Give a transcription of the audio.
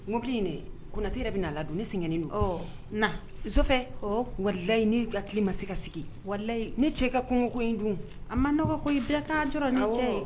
Ŋbiri in kotɛ yɛrɛ bɛ naa la don ni sɛgɛnnen don na sofɛ walilayi ni bilali ma se ka sigi waliyi ni cɛ ka kungoko in dun an man nɔgɔ ko bilakan dɔrɔn ni